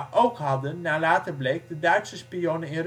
ook hadden, naar later bleek, de Duitse spionnen